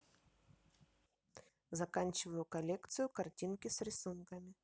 заканчиваю коллекцию картинки с рисунками